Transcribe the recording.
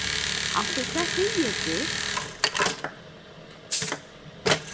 altso hvat sigur tú